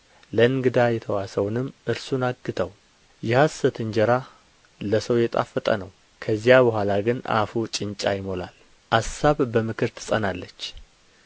ለእንግዳ የተዋሰውንም እርሱን አግተው የሐሰት እንጀራ ለሰው የጣፈጠ ነው ከዚያ በኋላ ግን አፉ ጭንጫ ይሞላል አሳብ በምክር ትጸናለች